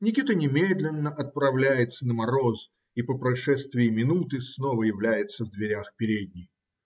Никита немедленно отправляется на мороз и по прошествии минуты снова является в дверях передней.